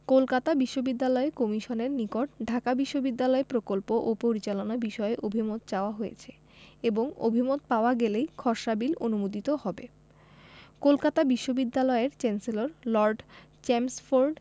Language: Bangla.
কলকাতা বিশ্ববিদ্যালয় কমিশনের নিকট ঢাকা বিশ্ববিদ্যালয় প্রকল্প ও পরিচালনা বিষয়ে অভিমত চাওয়া হয়েছে এবং অভিমত পাওয়া গেলেই খসড়া বিল অনুমোদিত হবে কলকাতা বিশ্ববিদ্যালয়ের চ্যান্সেলর লর্ড চেমস্ফোর্ড